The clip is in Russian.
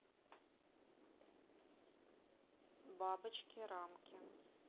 бабочки рамки